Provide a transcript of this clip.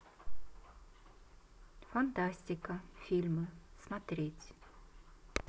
фантастика фильмы смотреть